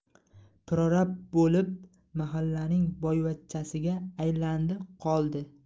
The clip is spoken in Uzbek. prorab bo'lib mahallaning boyvachchasiga aylandi qoldi